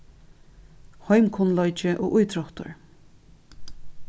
heimkunnleiki og ítróttur